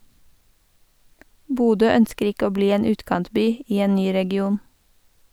Bodø ønsker ikke å bli en utkantby i en ny region.